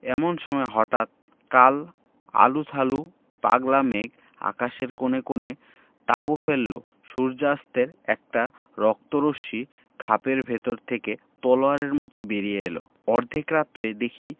এমন সময় হঠাৎ কাল আলুথালু পাগলা মেঘ আকাশের কোণে কোণে তাঁবু ফেললো সূর্য্যাস্তের একটা রক্ত রশ্মি খাপের ভেতর থেকে তলোয়ারের মত বেরিয়ে এল অর্ধেক রাত্রে দেখি